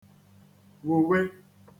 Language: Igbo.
wùwe